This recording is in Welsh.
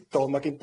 gyflwyno'r adroddiad.